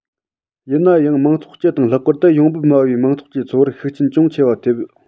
ཡིན ན ཡང མང ཚོགས སྤྱི དང ལྷག པར དུ ཡོང འབབ དམའ བའི མང ཚོགས ཀྱི འཚོ བར ཤུགས རྐྱེན ཅུང ཆེ བ ཐེབས